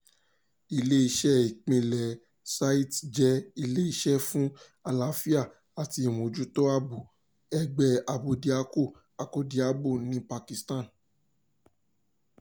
Ilé-iṣẹ́ ìpìlẹ̀ Sathi jẹ́ ilé-iṣẹ́ fún àlàáfíà àti ìmójútó ààbò ẹgbẹ́ abódiakọ-akọ́diabo ní Pakistan.